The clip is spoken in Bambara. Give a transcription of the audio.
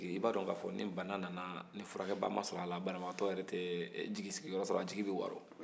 i b'a dɔn k'a fɔ ni bana nana ni furakɛlibaga ma sɔrɔ a la banabaatɔ jigi bɛ waaro